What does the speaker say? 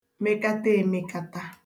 mekata èmekata